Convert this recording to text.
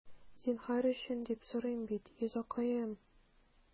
Зинһар өчен, диеп сорыйм бит, йозаккаем...